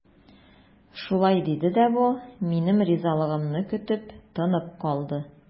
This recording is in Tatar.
Шулай диде дә бу, минем ризалыгымны көтеп, тынып калды.